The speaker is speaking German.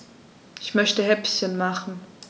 Ich möchte Häppchen machen.